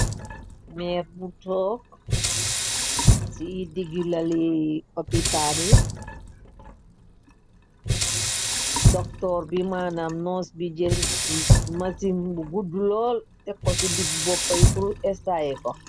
Meer bu took ci digg lali opitaani doktoor bi manam noose bi jër më ci b gudd lool te ko ci digg boppyi pr tae kox.